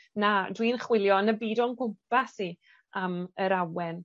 na, dwi'n chwilio yn y byd o'n gwmpas i am yr awen.